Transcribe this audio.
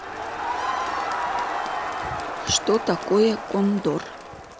что такое кондор